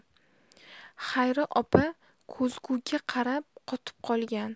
xayri opa ko'zguga qarab qotib qolgan